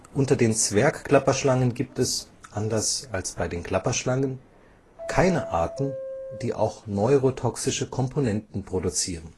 Unter den Zwergklapperschlangen gibt es, anders als bei den Klapperschlangen, keine Arten, die auch neurotoxische Komponenten produzieren